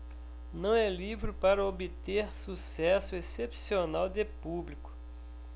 não é livro para obter sucesso excepcional de público